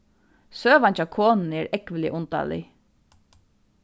søgan hjá konuni er ógvuliga undarlig